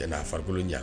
N'a farikolokolojan